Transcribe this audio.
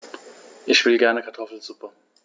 Ich will gerne Kartoffelsuppe.